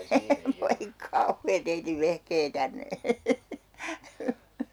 voi kauhea teidän vehkeitänne